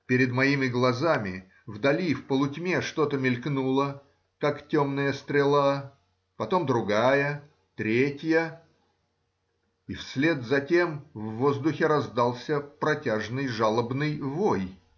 Пред моими глазами, вдали, в полутьме, что-то мелькнуло, как темная стрела, потом другая, третья, и вслед за тем в воздухе раздался протяжный жалобный вой.